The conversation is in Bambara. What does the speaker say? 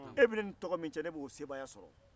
e be ne ni tɔgɔ min cɛ ne b'o sebaya sɔrɔ